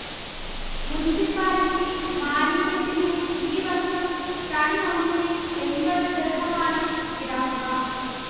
municipality മാലിന്യത്തിന് ഈ വർഷം ടൺ ഒന്നിന് എൺപത് ദിർഹമാണ്ഇടാക്കുക